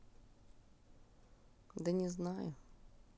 да не знаю